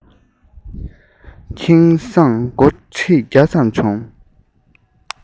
ཁེ བཟང སྒོར ཁྲི བརྒྱ ཙམ བྱུང